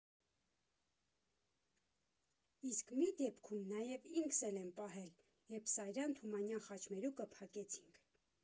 Իսկ մի դեպքում նաև ինքս էլ եմ պահել, երբ Սարյան֊Թումանյան խաչմերուկը փակեցինք։